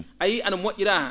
a yiyii ano mo??iraa han